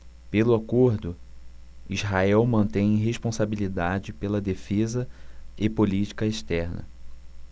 pelo acordo israel mantém responsabilidade pela defesa e política externa